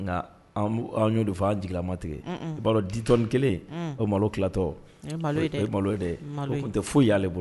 Nka an'o de fɔ' anlama tigɛ i b'a dɔn ditɔni kelen o malo kitɔ malo ye dɛ tun tɛ foyi y'ale bolo